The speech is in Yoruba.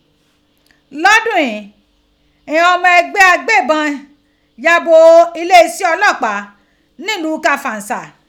Lọdun ghin, ighanọmọ ẹgbẹ agbébọn yabo ileeṣẹ ọlọpaa niilu Kàfàǹṣà.